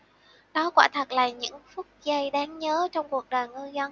đó quả thật là những phút giây đáng nhớ trong cuộc đời ngư dân